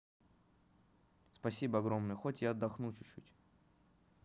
спасибо огромное хоть я отдохну чуть чуть